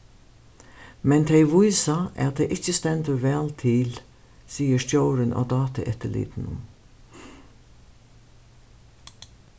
men tey vísa at tað ikki stendur væl til sigur stjórin í dátueftirlitinum